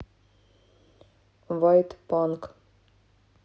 вайт панк